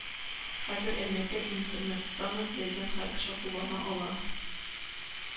Хәзер Әлмәттә Интернеттан да теләгән һәр кеше куллана ала